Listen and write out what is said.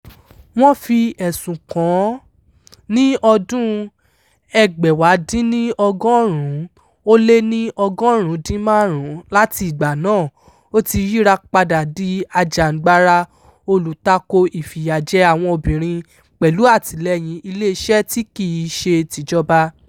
Wọ́n fi ẹ̀sùn-un àjẹ́ kàn-án ní ọdún-un 1995. Láti ìgbà náà, ó ti yírapadà di ajìjàǹgbara olùtako ìfìyàjẹ àwọn obìnrin pẹ̀lú àtìléyìn Ilé-iṣẹ́-tí-kìí-ṣe-tìjọba.